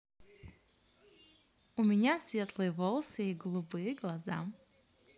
у меня светлые волосы голубые глаза